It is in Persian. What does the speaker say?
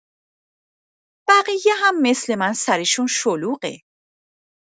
بقیه هم مثل من سرشون شلوغه.